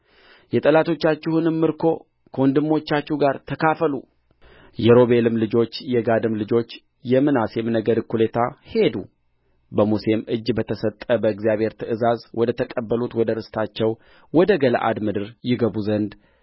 የጠላቶቻችሁንም ምርኮ ከወንድሞቻችሁ ጋር ተካፈሉ የሮቤልም ልጆች የጋድም ልጆች የምናሴም ነገድ እኩሌታ ሄዱ በሙሴም እጅ በተሰጠ በእግዚአብሔር ትእዛዝ ወደ ተቀበሉአት ወደ ርስታቸው ወደ ገለዓድ ምድር ይገቡ ዘንድ